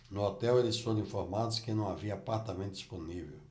no hotel eles foram informados que não havia apartamento disponível